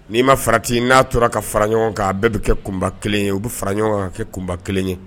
Ni'i ma farati n'a tora ka fara ɲɔgɔn kan bɛɛ bɛ kɛ kunba kelen ye u bɛ fara ɲɔgɔn kan kɛ kunba kelen ye